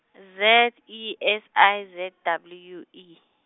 Z E S I Z W E.